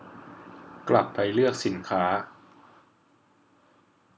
กลับไปเลือกสินค้า